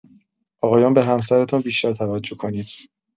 آقایان به همسرتان بیشتر توجه کنید.